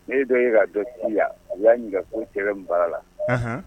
Ne ye dɔ ye Radio City la u y'a ɲiniŋa k'u cɛ be mun baara la anhan